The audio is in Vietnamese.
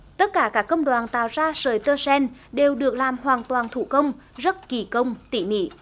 tất cả các công đoạn tạo ra sợi tơ sen đều được làm hoàn toàn thủ công rất kỳ công tỷ mỉ